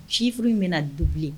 Cif furu bɛna dugu